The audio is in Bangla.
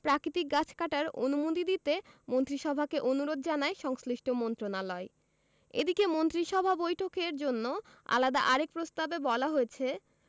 প্রাকৃতিক গাছ কাটার অনুমতি দিতে মন্ত্রিসভাকে অনুরোধ জানায় সংশ্লিষ্ট মন্ত্রণালয় এদিকে মন্ত্রিসভা বৈঠকের জন্য আলাদা আরেক প্রস্তাবে বলা হয়েছে